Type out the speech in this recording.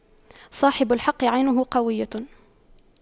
صاحب الحق عينه قوية